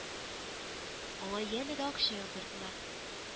Аңа янә дә акча яудырдылар